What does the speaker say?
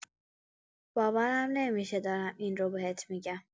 باورم نمی‌شه دارم این رو بهت می‌گم.